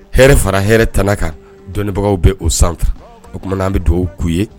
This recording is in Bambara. Hɛrɛ fara hɛrɛ t kan dɔnniibagaw bɛ o sanfɛ o tumaumanaan bɛ dugawu k'u ye